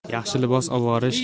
yaxshi libos oroyish